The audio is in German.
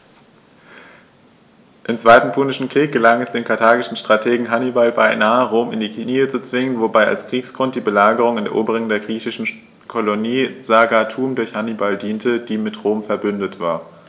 Im Zweiten Punischen Krieg gelang es dem karthagischen Strategen Hannibal beinahe, Rom in die Knie zu zwingen, wobei als Kriegsgrund die Belagerung und Eroberung der griechischen Kolonie Saguntum durch Hannibal diente, die mit Rom „verbündet“ war.